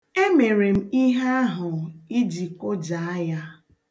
Emere m ihe ahụ iji kụjaa ya.